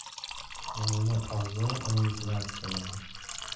yangi orzu umidlar keladi